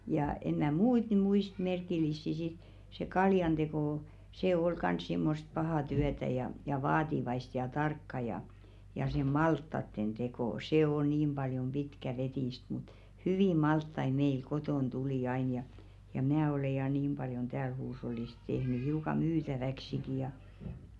ja en minä muita nyt muista merkillisiä sitten se kaljanteko se oli kanssa semmoista pahaa työtä ja ja vaativaista ja tarkkaa ja ja se maltaiden teko se on niin paljon pitkäveteistä mutta hyviä maltaita meillä kotona tuli aina ja ja minä olen ja niin paljon täällä huushollissa tehnyt hiukan myytäväksikin ja